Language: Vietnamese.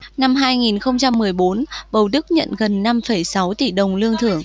năm hai nghìn không trăm mười bốn bầu đức nhận gần năm phẩy sáu tỷ đồng lương thưởng